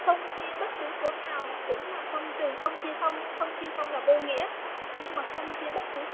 chia bất cứ số nào cũng là chia nhân chia là vô nghĩa nhưng mà không chia bất cứ